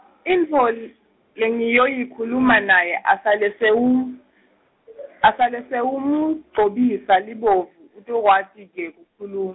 intfo l- lengiyoyikhuluma naye asale sewu-, asale sewumugcobisa libovu utokwati ke kukhulu-.